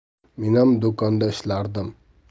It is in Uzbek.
menam do'konda ishlardim